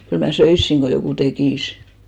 kyllä minä söisin kun joku tekisi